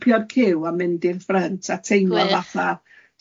Jympio'r ciw a mynd i'r ffrynt, a teimlo fatha